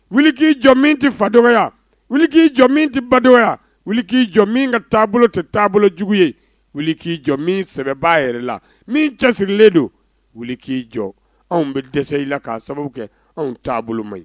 Wuli k'i jɔ min tɛ fadɔ wuli k'i jɔ min tɛ badɔ wuli k'i jɔ min ka taabolo tɛ taabolojugu ye wuli ki jɔ min sɛbɛbaa yɛrɛ la min jasirilen don k'i jɔ anw bɛ dɛsɛ la ka sababu kɛ anw taabolo ma ɲi